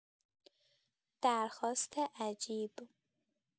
درخواست عجیب